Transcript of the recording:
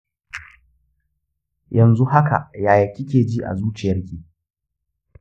yanzu haka yaya kikeji a zuciyarki?